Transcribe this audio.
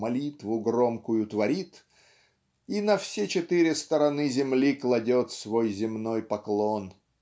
молитву громкую творит и на все четыре стороны земли кладет свой земной поклон.